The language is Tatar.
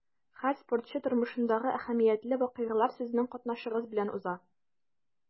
Һәр спортчы тормышындагы әһәмиятле вакыйгалар сезнең катнашыгыз белән уза.